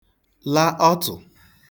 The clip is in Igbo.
la ọtụ̀